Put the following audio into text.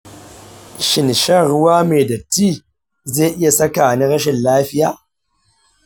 shin sha ruwa mai datti zai iya saka ni rashin lafiya?